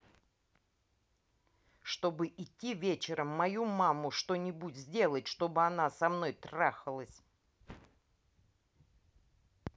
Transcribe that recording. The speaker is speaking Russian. чтобы идти вечером мою маму что нибудь сделать чтобы она со мной трахалась